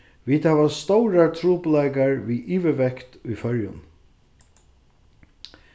vit hava stórar trupulleikar við yvirvekt í føroyum